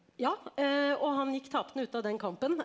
ja og han gikk tapende ut av den kampen.